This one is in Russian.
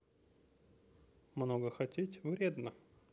много хотеть вредно